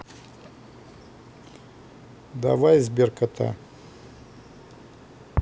давай сберкота